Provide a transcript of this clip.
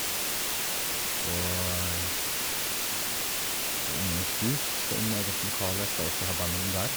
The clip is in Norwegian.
Og, ja, Ungdommens Hus skal inn med eget lokale, skal også ha bandrom der.